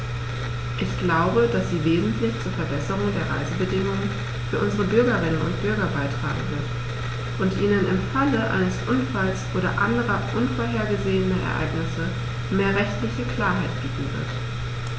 Ich glaube, dass sie wesentlich zur Verbesserung der Reisebedingungen für unsere Bürgerinnen und Bürger beitragen wird, und ihnen im Falle eines Unfalls oder anderer unvorhergesehener Ereignisse mehr rechtliche Klarheit bieten wird.